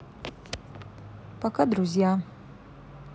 пока друзья